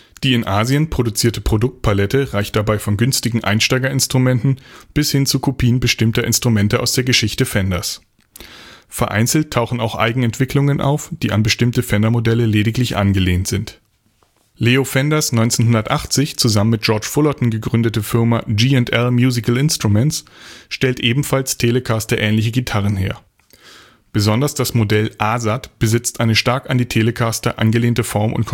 Die in Asien produzierte Produktpalette reicht dabei von günstigen Einsteigerinstrumenten bis hin zu Kopien bestimmter Instrumente aus der Geschichte Fenders. Vereinzelt tauchen auch Eigenentwicklungen auf, die an bestimmte Fendermodelle lediglich angelehnt sind. Leo Fenders 1980 zusammen mit George Fullerton gegründete Firma G&L Musical Instruments stellt ebenfalls Telecaster-ähnliche E-Gitarren her. Besonders das Modell „ ASAT “besitzt eine stark an die Telecaster angelehnte Form und Konstruktion